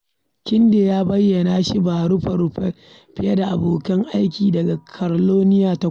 Kennedy ya bayyana shi ba rufa-rufa fiye da abokin aikinsa daga Carolina ta Kudu.